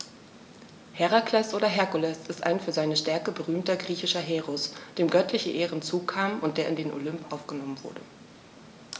Herakles oder Herkules ist ein für seine Stärke berühmter griechischer Heros, dem göttliche Ehren zukamen und der in den Olymp aufgenommen wurde.